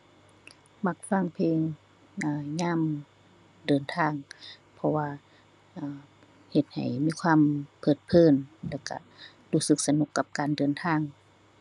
มักฟังเพลง อ่า ยามเดินทาง เพราะว่า อ่า เฮ็ดให้มีความเพลิดเพลินแล้วก็รู้สึกสนุกกับการเดินทาง